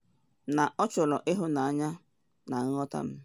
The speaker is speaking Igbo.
Na ọ chọrọ ịhụnanya na nghọta m.